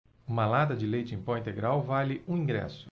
uma lata de leite em pó integral vale um ingresso